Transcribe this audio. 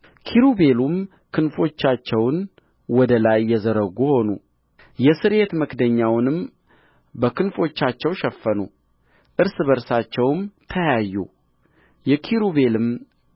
ኪሩቤልም ክንፎቻቸውን ወደ ላይ የዘረጉ ሆኑ የስርየት መክደኛውንም በክንፎቻቸው ሸፈኑ እርስ በርሳቸውም ተያዩ የኪሩቤልም